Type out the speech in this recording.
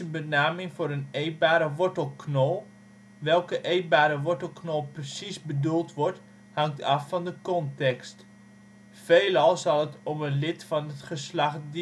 benaming voor een eetbare wortelknol. Welke eetbare wortelknol precies bedoeld wordt hangt af van de context. Veelal zal het om een lid van het geslacht